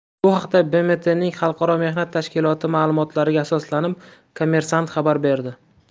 bu haqda bmtning xalqaro mehnat tashkiloti ma'lumotlariga asoslanib kommersant xabar berdi